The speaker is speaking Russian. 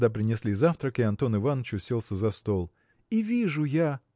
когда принесли завтрак и Антон Иваныч уселся за стол – и вижу я.